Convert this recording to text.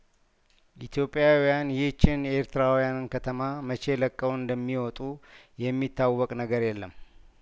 ኢትዮጵያውያን ይህቺን የኤርትራውያን ከተማ መቼ ለቀው እንደሚወጡ የሚታወቅ ነገር የለም